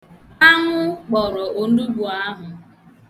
Anwụ kpọrọ onugbu ahụ.